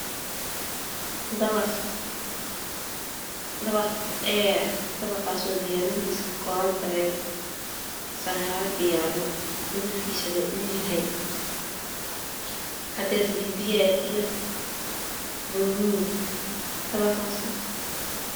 Waa dabaq dheer oo sagaal biyaano ah kalarkiisu uu yahay buluug.